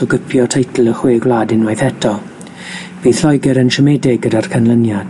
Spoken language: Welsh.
o gipio teitl y Chwe Gwlad unwaith eto. Bydd Lloeger yn siomedig gyda'r canlyniad,